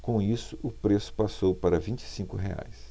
com isso o preço passou para vinte e cinco reais